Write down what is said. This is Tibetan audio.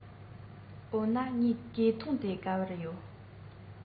འོ ན ངའི གོས ཐུང དེ ག པར ཡོད